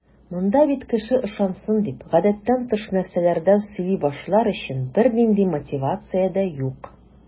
Монда бит кеше ышансын дип, гадәттән тыш нәрсәләрдер сөйли башлар өчен бернинди мотивация дә юк.